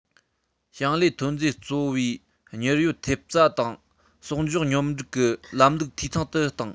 ཞིང ལས ཐོན རྫས གཙོ བའི ཉེན གཡོལ ཐེབས རྩ དང གསོག འཇོག སྙོམས སྒྲིག གི ལམ ལུགས འཐུས ཚང དུ བཏང